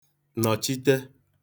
nọ̀chite